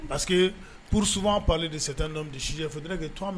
Parce que psman'ale de se tandɔ bɛ si fɛ ne kɛ tun